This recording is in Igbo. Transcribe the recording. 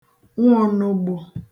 nwa ōnogbò